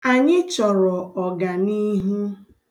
Anyị chọrọ ọganihu.